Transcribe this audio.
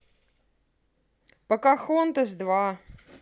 покахонтас два